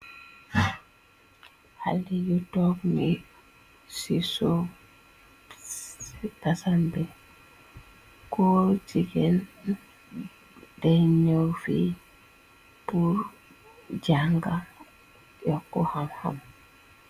Hali ju tof ni, be ko jigen denovi bur janga, yokku ham ham.